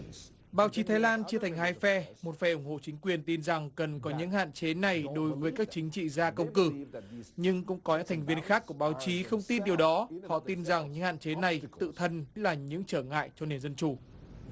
báo chí thái lan chia thành hai phe một phe ủng hộ chính quyền tin rằng cần có những hạn chế này đối với các chính trị gia công cử nhưng cũng có thành viên khác của báo chí không tin điều đó họ tin rằng những hạn chế này tự thân là những trở ngại cho nền dân chủ